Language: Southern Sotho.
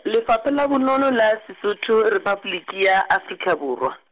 Lefapha la Bonono le Sesotho Rephaboliki ya Afrika Borwa.